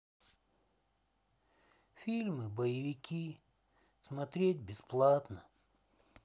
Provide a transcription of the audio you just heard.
фильмы боевики смотреть бесплатно